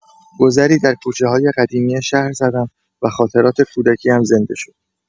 گذری در کوچه‌های قدیمی شهر زدم و خاطرات کودکی‌ام زنده شد.